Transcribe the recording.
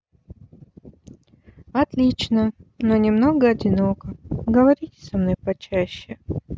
отлично но немного одиноко говорите со мной почаще